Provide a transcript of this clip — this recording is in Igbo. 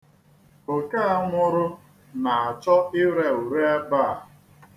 Oke a nwụrụ na-achọ ire ure ebe a.